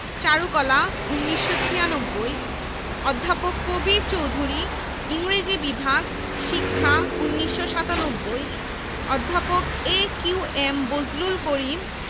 অধ্যাপক রেহমান সোবহান অর্থনীতি বিভাগ গবেষণা ও প্রশিক্ষণ ২০০৮ শিল্পী মু. আবুল হাশেম খান চারুকলা অনুষদ সংস্কৃতি ২০১১